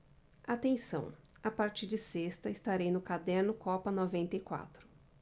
atenção a partir de sexta estarei no caderno copa noventa e quatro